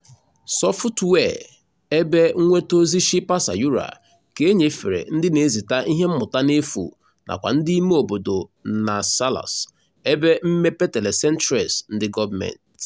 Sọfụtụwịe ebe mnweta ozi Shilpa Sayura ka e nyefere ndị na-ezita ihe mmụta n'efu nakwa ndị ime obodo Nansalas, ebe mmepe telecentres ndị gọọmenti.